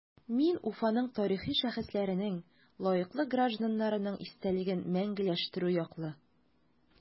Мин Уфаның тарихи шәхесләренең, лаеклы гражданнарның истәлеген мәңгеләштерү яклы.